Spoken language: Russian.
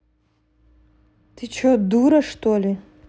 ты че дура чтоли